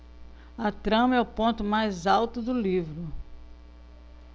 a trama é o ponto mais alto do livro